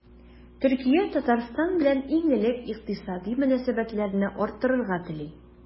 Төркия Татарстан белән иң элек икътисади мөнәсәбәтләрне арттырырга тели.